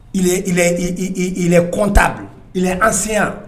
Kɔn ta bila an sen yan